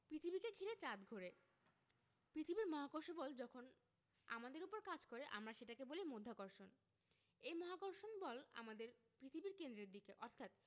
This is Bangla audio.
পৃথিবীকে ঘিরে চাঁদ ঘোরে পৃথিবীর মহাকর্ষ বল যখন আমাদের ওপর কাজ করে আমরা সেটাকে বলি মাধ্যাকর্ষণ এই মাধ্যাকর্ষণ বল আমাদের পৃথিবীর কেন্দ্রের দিকে অর্থাৎ